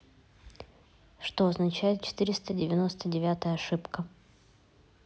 что означает четыреста девяносто девятая ошибка